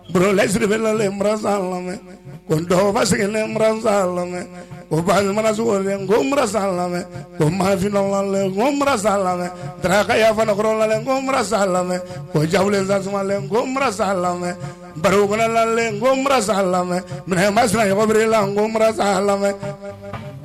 Barolasiriri bɛ lamɛnbase maffinina lamɛn kaka yafafaɔrɔnla sa lamɛn jalen salen sa lamɛn baralen lamɛn mɛma sinab la lamɛn